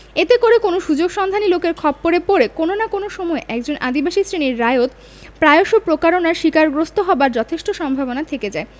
এতে করে যেকোন সুযোগ সন্ধানী লোকের খপ্পরে পড়ে কোন না কোন সময়ে একজন আদিবাসী শ্রেণীর রায়ত প্রায়শ প্রতারণার শিক্ষারগ্রস্ত হবার যথেষ্ট সম্ভাবনা থেকে যায়